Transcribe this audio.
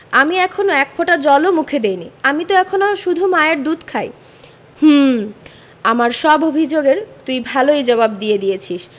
আমি এখনো এক ফোঁটা জল ও মুখে দিইনি আমি ত এখনো শুধু মার দুধ খাই হুম আমার সব অভিযোগ এর তুই ভালই জবাব দিয়ে দিয়েছিস